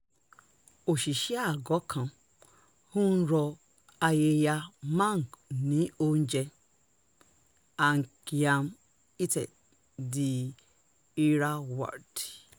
Òṣìṣẹ́ àgọ̀ kan ń rọ Ayeyar Maung ní oúnjẹ. / Aung Kyaw Htet / The Irrawaddy